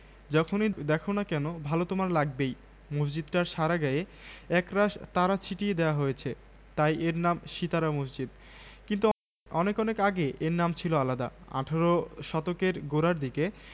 ঠ জাতীয় উন্নয়নের স্বার্থে পুস্তকের আমদানী ও রপ্তানী নীতি সহজতর করা হোক পরিশেষে আমাদের নিবেদন জাতীয় শিক্ষা ও সংস্কৃতি উন্নয়নে আমরা পুস্তক প্রকাশক ও বিক্রেতাগণ সঙ্গত ভূমিকা